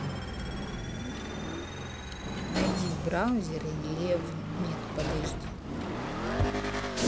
найди в браузере лев нет подожди